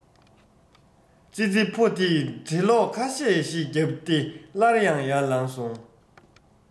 ཙི ཙི ཕོ དེ འགྲེ སློག ཁ ཤས ཤིག བརྒྱབ སྟེ སླར ཡང ཡར ལངས སོང